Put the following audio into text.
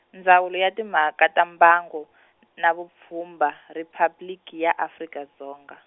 Ndzawulo ya Timhaka ta Mbango, na Vupfhumba Riphabliki ya Afrika Dzonga.